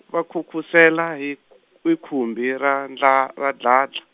va nkhunkhusela hi hi khumbi ra ndla ra dladla.